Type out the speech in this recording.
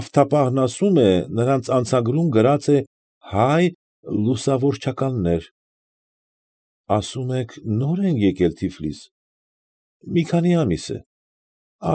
Գավթապահն ասում է, նրանց անցագրում գրած է Հայ լուսավորչականներ։ ֊ Ասում եք նո՞ր են եկել Թիֆլիս։ ֊ Մի քանի ամիս է։